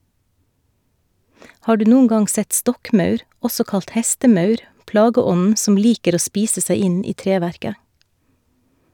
Har du noen gang sett stokkmaur, også kalt hestemaur, plageånden som liker å spise seg inn i treverket?